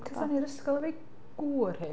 Achos o'n i'n ysgol efo'i gŵr hi.